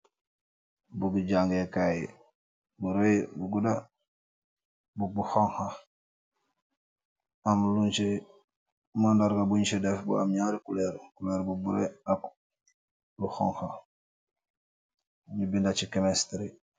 Book gi jàngeekaay bu rëy, bu gudda, book bu xonxa am lun ci më ndorga buñ ci def , bu am ñaari kuleer , kuleer bu bulo ak lu xonxa ñu binda ci chemistry.